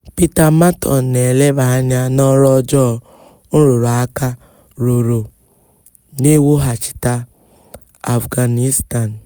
Peter Marton na-eleba anya n'ọrụ ọjọọ nrụrụaka rụrụ n'iwughachita Afghanistan.